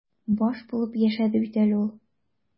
Баш булып яшәде бит әле ул.